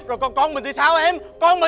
rồi còn con mìn thì sao em con mìn